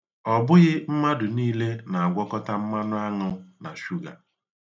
Ọ bụghị mmadụ niile na-agwakọta mmanụ aṅụ na shuga.